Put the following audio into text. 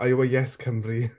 Are you a Yes Cymru?